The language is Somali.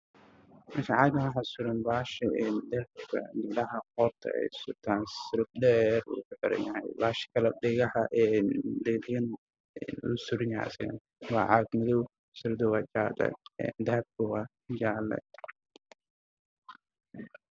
Waa boonballo midabkiisu yahay midooday waxaa ku jira katiin midabkiisa ahayd dahabi mana caddaan ayuu saaran yahay